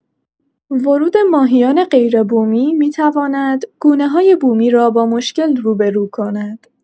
ورود ماهیان غیربومی می‌تواند گونه‌های بومی را با مشکل روبه‌رو کند.